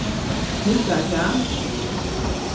nyttar tað